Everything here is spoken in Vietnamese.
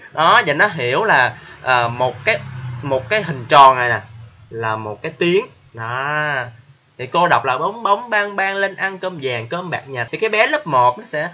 đó vậy nó hiểu là à một cái một cái hình tròn này nè là một cái tiếng đó thì cô đọc là bống bống bang bang lên ăn cơm vàng cơm bạc nhà thì cái bé lớp một nó sẽ